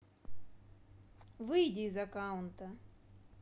выйди из аккаунта